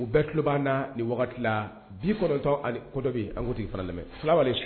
U bɛɛ tuloba na nin wagati bi kɔrɔtɔdɔbi anko tigi fara lamɛn filawale